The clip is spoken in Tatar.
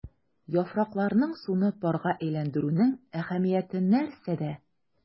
Яфракларның суны парга әйләндерүнең әһәмияте нәрсәдә?